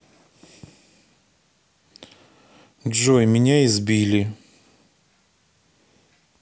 джой меня избили